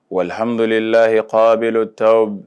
Wahambdulayi kaabili tawba